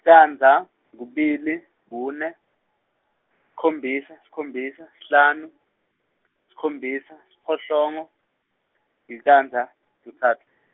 candza kubili kune sikhombisa sikhombisa sihlanu sikhombisa siphohlongo licandza kutsatfu.